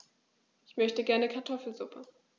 Ich möchte gerne Kartoffelsuppe.